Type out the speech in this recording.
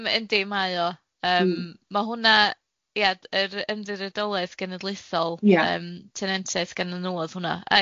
Yym yndi, mae o. Yym ma' hwnna ia yr Ymddiriedolaeth Genedlaethol... Ia... yym tenentiaeth gennyn nw o'dd hwnna.